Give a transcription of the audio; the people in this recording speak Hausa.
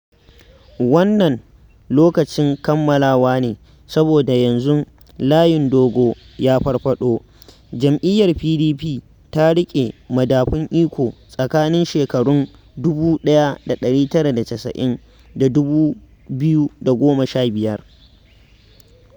Wannan 'Lokacin Kammalawa ne' saboda yanzu layin dogo ya farfaɗo". Jam'iyyar PDP ta riƙe madafun iko tsakanin shekarun 1999 da 2015.